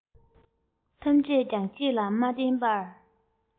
ཐམས ཅད ཀྱང ཁྱེད ལ མ བསྟེན པར